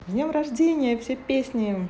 с днем рождения все песни